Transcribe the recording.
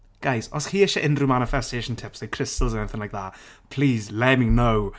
Guys os chi isie unrhyw manifestation tips neu crystals or anything like that. Please let me know.